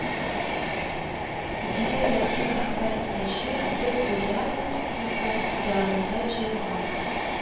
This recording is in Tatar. Зилә Вәлиева хәбәр иткәнчә, “Без булдырабыз” акциясе дәвамында җыелган